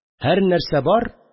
Һәрнәрсә бар